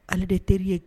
Ale de teri ye